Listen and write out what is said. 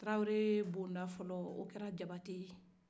tarawele bon da fɔlɔ o ye jabate